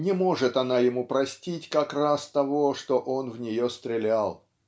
Не может она ему простить как раз того, что он в нее стрелял.